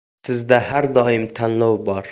sizda har doim tanlov bor